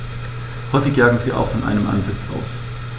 Häufig jagen sie auch von einem Ansitz aus.